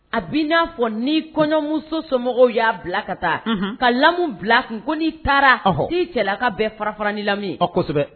A bɛ i n'a fɔ ni kɔɲɔmuso somɔgɔw y'a bila ka taa, unhun, ka lamu bila a kun ko n'i taara, ɔhɔ, i cɛlaka bɛɛ fara-fara ni lamu ye, ɔ kosɛbɛ